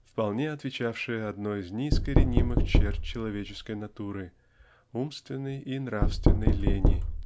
вполне отвечавшая одной из неискоренимых черт человеческой натуры--умственной и нравственной лени.